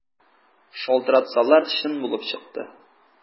Шалтыратсалар, чын булып чыкты.